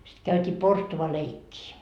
sitten käytiin porstualeikkiä